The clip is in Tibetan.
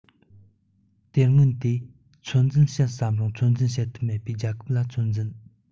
དེ སྔོན དེས ཚོད འཛིན བྱེད བསམ རུང ཚོད འཛིན བྱེད ཐུབ མེད པའི རྒྱལ ཁབ ལ ཚོད འཛིན